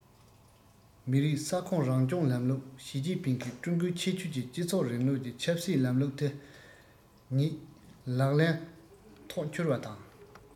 མི རིགས ས ཁོངས རང སྐྱོང ལམ ལུགས ཞིས ཅིན ཕིང གིས ཀྲུང གོའི ཁྱད ཆོས ཀྱི སྤྱི ཚོགས རིང ལུགས ཀྱི ཆབ སྲིད ལམ ལུགས དེ ཉིད ལག ལེན ཐོག འཁྱོལ བ དང